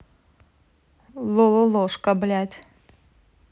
лололошка блядь